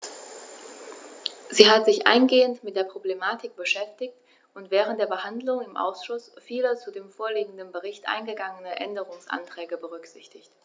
Sie hat sich eingehend mit der Problematik beschäftigt und während der Behandlung im Ausschuss viele zu dem vorliegenden Bericht eingegangene Änderungsanträge berücksichtigt.